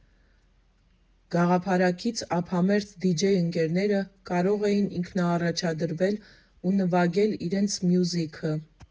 Գաղափարակից ափամերձ դիջեյ ընկերները կարող էին ինքնաառաջադրվել ու նվագել իրենց մյուզիքը։